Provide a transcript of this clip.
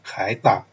ขายตับ